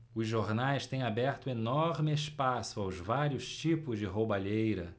os jornais têm aberto enorme espaço aos vários tipos de roubalheira